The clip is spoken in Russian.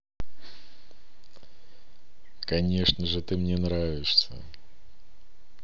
конечно же ты мне нравишься